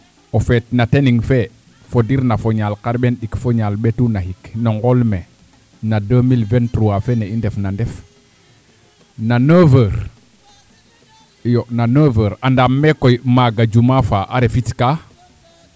o feet na teniŋ fee fodirna fo ñaal xarɓeen ɗik fo ñaal ɓetu naxik no ngool Mai no 2023 fene i ndefna ndef na neuve heure iyo na neuve heure andaam me koy maaga Juuma faa a refitkaa